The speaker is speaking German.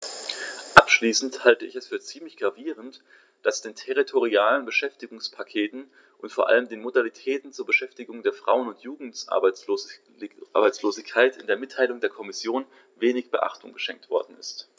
Abschließend halte ich es für ziemlich gravierend, dass den territorialen Beschäftigungspakten und vor allem den Modalitäten zur Bekämpfung der Frauen- und Jugendarbeitslosigkeit in der Mitteilung der Kommission wenig Beachtung geschenkt worden ist.